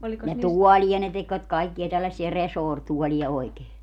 ja tuolia ne tekivät kaikkia tällaisia resorituoleja oikein